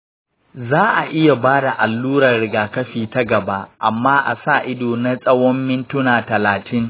za a iya ba da allurar rigakafi ta gaba, amma a sa ido na tsawon mintuna talatin.